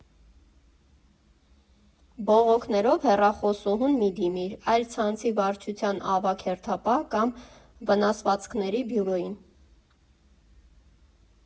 Բողոքներով հեռախոսուհուն մի՛ դիմիր, այլ ցանցի վարչության ավագ հերթապահ, կամ վնասվածքների բյուրոյին։